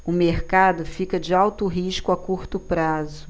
o mercado fica de alto risco a curto prazo